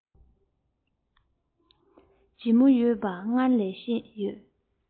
ལྕི མོ ཡོད པ སྔར ནས ཤེས ཡོད